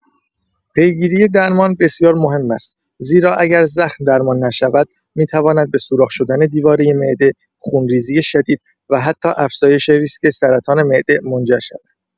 پیگیری درمان بسیار مهم است زیرا اگر زخم درمان نشود می‌تواند به سوراخ شدن دیواره معده، خونریزی شدید و حتی افزایش ریسک سرطان معده منجر شود.